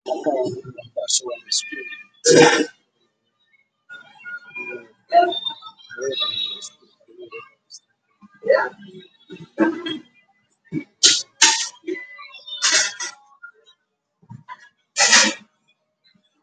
Waa school waxaa fadhiya walal wataan shaatiyo caddaan jaale